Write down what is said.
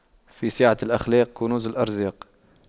في سعة الأخلاق كنوز الأرزاق